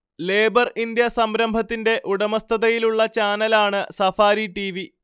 labour India സംരംഭത്തിന്റെ ഉടമസ്ഥതയിലുള്ള ചാനലാണ് സഫാരി ടിവി